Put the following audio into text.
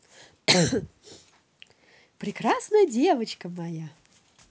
прекрасная девочка моя